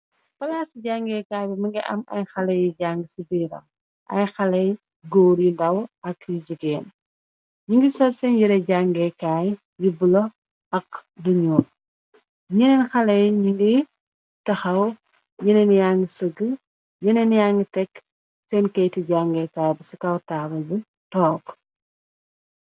Palaac ci jangeekaay bi mungi am ay Haley yi jang ci biiram. Ay haley góor yu ndaw ak yu jigeen ñu ngi sol seen yireh jangeekaay yi bulo ak nuul. Neneen haley ñi ngi tahaw, ñeneen yang sëg, ñeneen yang tekk seen keyti jangeekaay bi ci kaw taable bi toog.